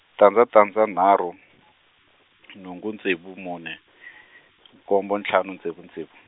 tandza tandza nharhu , nhungu ntsevu mune, nkombo ntlhanu ntsevu ntsevu.